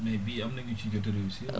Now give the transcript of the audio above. mais bii am na ñu ci jot a réussir